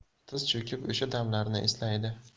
tiz cho'kib o'sha damlarni eslaydi